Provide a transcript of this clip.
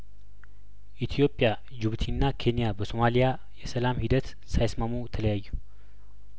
ኢትዮጵያ ጅቡቲና ኬንያ በሶማሊያ የሰላም ሂደት ሳይስማሙ ተለያዩ